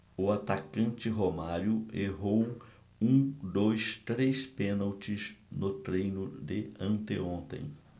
o atacante romário errou um dos três pênaltis no treino de anteontem